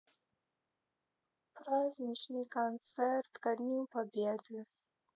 праздничный концерт ко дню победы